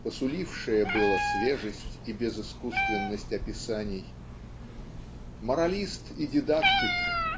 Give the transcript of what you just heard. посулившее было свежесть и безыскусственность описаний. Моралист и дидактик